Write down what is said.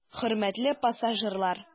Хөрмәтле пассажирлар!